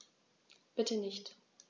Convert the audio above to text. Bitte nicht.